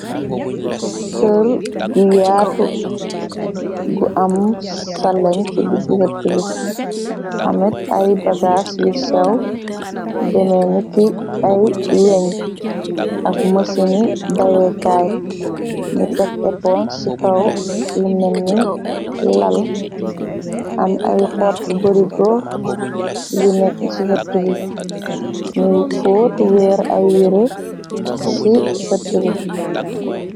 Keër gu yaatu gu am salan ci digg xet bi amit ay bagaas yi séw deme ni ci ay weñ ak mësini bayekaay. Nu teg épon ci kaw li nenni lal. Am ay xot bari go yu nekk ci xet bi ni foot weer ay yire ci fet bi.